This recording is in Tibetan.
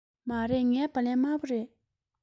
མ རེད ངའི སྦ ལན དམར པོ རེད